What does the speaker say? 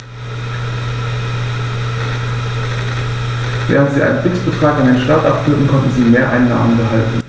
Während sie einen Fixbetrag an den Staat abführten, konnten sie Mehreinnahmen behalten.